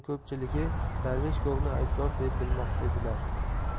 ko'pchiligi darvesh govni aybdor deb bilmoqda edilar